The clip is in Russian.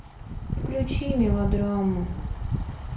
включить мелодраму